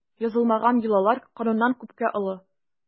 Язылмаган йолалар кануннан күпкә олы.